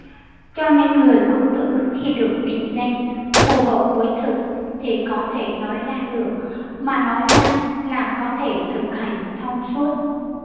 cho nên người quân tử khi được định danh phù hợp với thực thì có thể nói ra được mà nói ra là có thể thực hành thông suốt